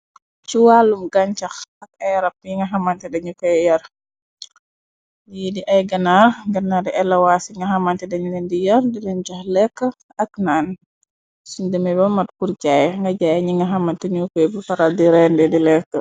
Ci wàllum gañcax ak ay rap yi nga xamante dañu koy yar, li di ay ganaax, ngenna di elawasi nga xamante dañu leen di yar, di leen cox lekk ak naan, suñ demay bamat kurcaay nga jaay ñi nga xamante ñu koy bu paral di rende, di lekk.